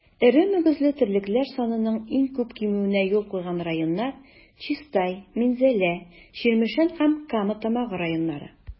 Эре мөгезле терлекләр санының иң күп кимүенә юл куйган районнар - Чистай, Минзәлә, Чирмешән һәм Кама Тамагы районнары.